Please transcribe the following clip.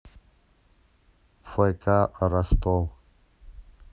фк ростов